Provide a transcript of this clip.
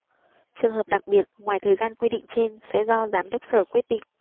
trường hợp đặc biệt ngoài thời gian quy định trên sẽ do giám đốc sở quyết định